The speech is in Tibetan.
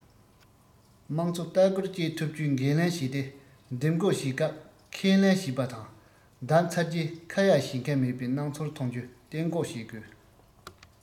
དམངས གཙོ ལྟ སྐུལ བཅས ཐུབ རྒྱུའི འགན ལེན བྱས ཏེ འདེམས བསྐོ བྱེད སྐབས ཁས ལེན བྱེད པ དང བདམས ཚར རྗེས ཁ ཡ བྱེད མཁན མེད པའི སྣང ཚུལ ཐོན རྒྱུ གཏན འགོག བྱེད དགོས